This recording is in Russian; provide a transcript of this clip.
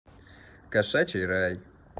кошачий рай